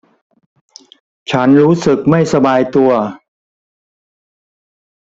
ฉันรู้สึกไม่สบายตัว